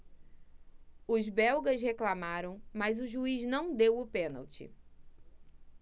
os belgas reclamaram mas o juiz não deu o pênalti